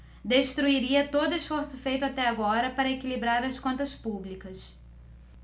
destruiria todo esforço feito até agora para equilibrar as contas públicas